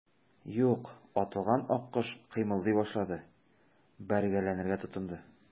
Юк, атылган аккош кыймылдый башлады, бәргәләнергә тотынды.